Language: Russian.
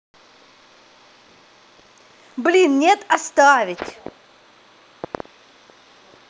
блин нет оставить